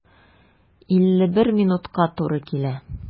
51 минутка туры килә.